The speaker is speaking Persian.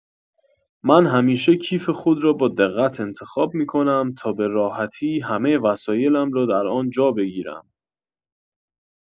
من همیشه کیف خود را با دقت انتخاب می‌کنم تا به راحتی همه وسایلم را در آن جا بگیرم.